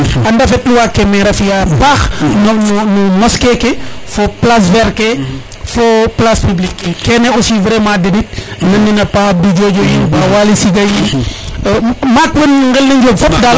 a refetlu wa ke maire a fiya a paax no no mosquer ke fo no place vert ke fo place public ke kene aussi vraiment denit nanena Pa Abdou Diodio yin Pa Waly Siga yiin maak wen ngel ne Njob fop dal